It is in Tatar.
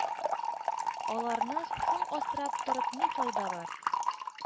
Аларны соң асрап торып ни файда бар?»